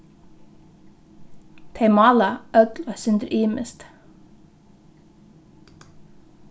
tey mála øll eitt sindur ymiskt